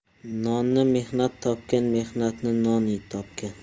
nonni mehnat topgan mehnatni non topgan